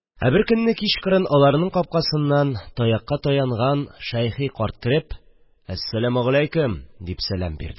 Ә бер көнне кичкырын аларның капкасыннан таякка таянган Шәйхи карт кереп – Әссәләмегаләйкем! – дип сәләм бирде